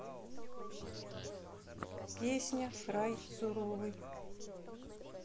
песня край суровый